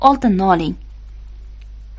oltinni oling